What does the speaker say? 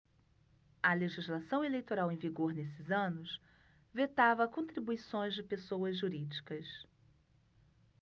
a legislação eleitoral em vigor nesses anos vetava contribuições de pessoas jurídicas